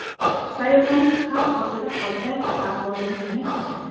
sayyoramiz xavf ostida qolsa ahvolimiz nima kechadi